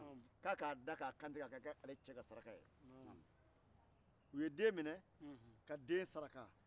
u ye den minɛ ka den saraka